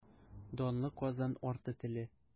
Данлы Казан арты теле.